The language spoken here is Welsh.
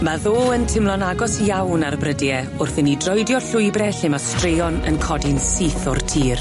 Ma' ddo yn timlo'n agos iawn ar brydie wrth i ni droidio llwybre lle ma' straeon yn codi'n syth o'r tir.